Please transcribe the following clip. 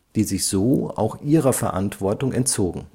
die sich so auch ihrer Verantwortung entzogen